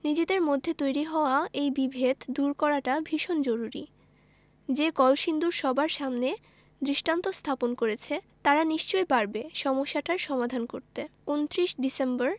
নিজেদের মধ্যে তৈরি হওয়া এই বিভেদ দূর করাটা ভীষণ জরুরি যে কলসিন্দুর সবার সামনে দৃষ্টান্ত স্থাপন করেছে তারা নিশ্চয়ই পারবে সমস্যাটার সমাধান করতে ২৯ ডিসেম্বর